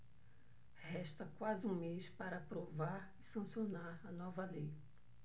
resta quase um mês para aprovar e sancionar a nova lei